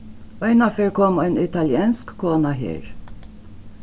einaferð kom ein italiensk kona her